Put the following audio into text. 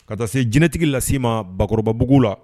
Ka taa se jinɛtigi lase ma bakɔrɔba bbugu la